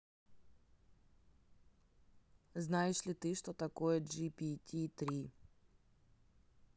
знаешь ли ты что такое g p t три